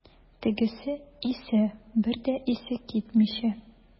Тегесе исә, бер дә исе китмичә.